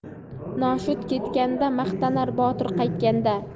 noshud ketganda maqtanar botir qaytganda